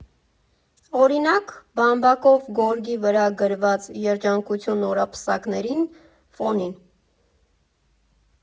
Օրինակ՝ բամբակով գորգի վրա գրված «Երջանկություն նորապսակներին» ֆոնին։